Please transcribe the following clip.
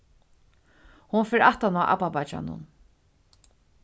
hon fer aftan á abbabeiggjanum